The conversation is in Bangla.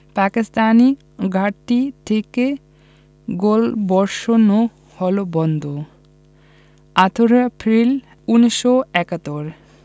পাকিস্তানি ঘাঁটি থেকে গোলাবর্ষণও হলো বন্ধ ১৮ এপ্রিল ১৯৭১